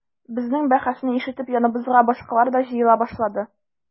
Безнең бәхәсне ишетеп яныбызга башкалар да җыела башлады.